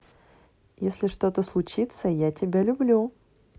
если что то случится я тебя люблю